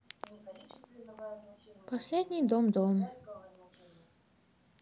последний дом дон